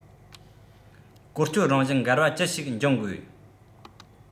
བཀོལ སྤྱོད རང བཞིན འགལ བ ཅི ཞིག འབྱུང དགོས